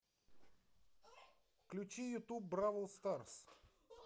включи ютуб бравл старс